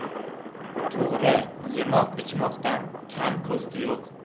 to'g'ri yemoq ichmoqdan kam ko'sti yo'q